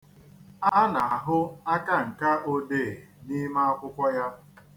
A na-ahụ akanka odee n'ime akwụkwọ ya.